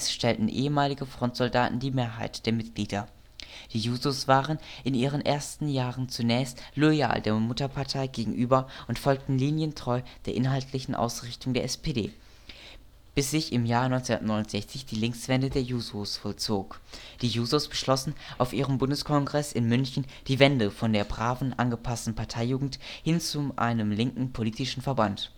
stellten ehemalige Frontsoldaten die Mehrheit der Mitglieder. Die Jusos waren in ihren ersten Jahren zunächst loyal der Mutterpartei gegenüber und folgten linientreu der inhaltichen Ausrichtung der SPD, bis sich im Jahr 1969 die Linkswende der Jusos vollzog. Die Jusos beschlossen auf ihrem Bundeskongress in München die Wende von der braven, angepassten Parteijugend hin zu einem linken politischen Verband